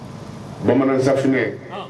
Bamanansafunɛ